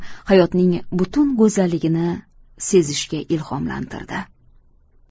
hayotning butun go'zalligini sezishga ilhomlantirdi